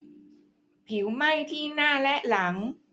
ผิวไหม้ที่หน้าและหลัง